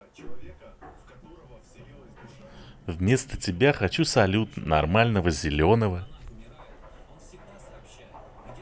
вместо тебя хочу салют нормального зеленого